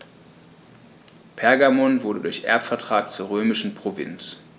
Pergamon wurde durch Erbvertrag zur römischen Provinz.